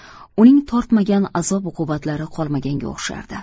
uning tortmagan azob uqubatlari qolmaganga o'xshardi